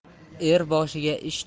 er boshiga ish